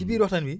ci biir waxtaan wi